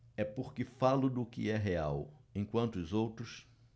é porque falo do que é real enquanto os outros